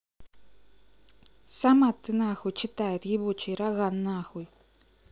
сама ты нахуй читает ебучие рога нахуй